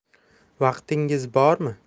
vaqtingiz bormi